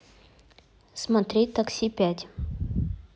смотреть такси пять